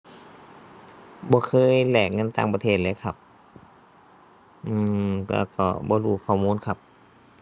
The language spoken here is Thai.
บ่เคยแลกเงินต่างประเทศเลยครับ อืม ก็เพราะบ่รู้ข้อมูลครับ